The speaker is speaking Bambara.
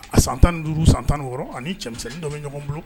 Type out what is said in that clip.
A san 15 san 16 a ni cɛmisɛnnin dɔ bɛ ɲɔgɔn bolo